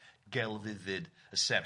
gelfyddyd y serch.